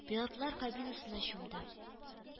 Пилотлар кабинасына чумды